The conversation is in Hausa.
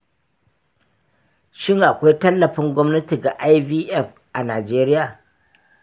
shin akwai tallafin gwamnati ga ivf a najeriya?